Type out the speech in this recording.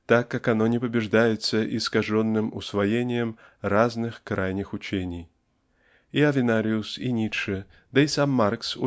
так как оно не побеждается искаженным усвоением разных крайних учений. И Авенариус и Ницше да и сам Маркс